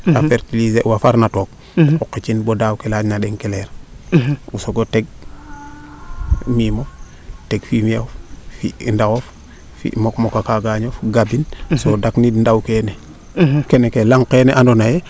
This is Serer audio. a fertiliser kee farna took a qicin bo daaw kee yac na ndeng keleer o soogo teg niimof teg fumier of fi ndawof fi mokmoko kagañof gabin so daq niid ndaw keene kene ke laŋ keene ando naye